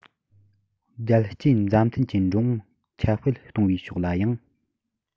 རྒྱལ གཅེས མཛའ མཐུན གྱི འགྲོ འོང ཁྱབ སྤེལ གཏོང བའི ཕྱོགས ལ ཡང